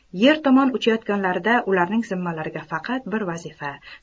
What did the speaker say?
yer tomon uchayotganlarida ularning zimmalariga faqat bir vazifa